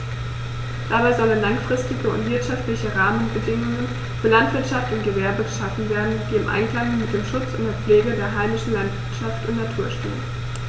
Dabei sollen langfristige und wirtschaftliche Rahmenbedingungen für Landwirtschaft und Gewerbe geschaffen werden, die im Einklang mit dem Schutz und der Pflege der heimischen Landschaft und Natur stehen.